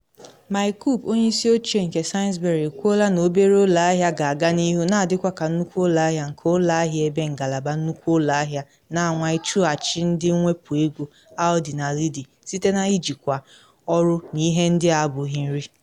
Mike Coupe, onye isi oche nke Sainsbury, ekwuola na obere ụlọ ahịa ga-aga n’ihu n adịkwa ka nnukwu ụlọ ahịa nke ụlọ ahịa ebe ngalaba nnukwu ụlọ ahịa na anwa ịchụghachi ndị mwepu ego Aldi na Lidl site na ijikwu ọrụ na ihe ndị abụghị nri.